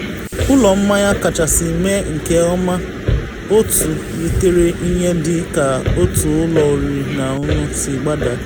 Ụlọ mmanya kachasị mee nke ọma otu yitere ihe dị ka otu ụlọ oriri na ọṅụṅụ si gbadaa.